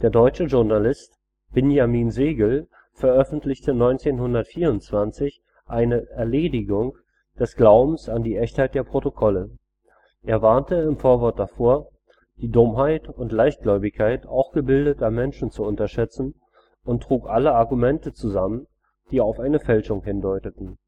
deutsche Journalist Binjamin Segel veröffentlichte 1924 eine „ Erledigung “des Glaubens an die Echtheit der Protokolle. Er warnte im Vorwort davor, die Dummheit und Leichtgläubigkeit auch gebildeter Menschen zu unterschätzen, und trug alle Argumente zusammen, die auf eine Fälschung hindeuteten